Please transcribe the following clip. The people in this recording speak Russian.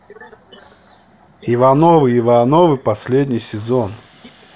ивановы ивановы последний сезон